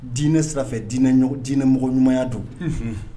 Diinɛ sira fɛ diinɛ ɲɔ diinɛ mɔgɔ ɲumanya don, unhun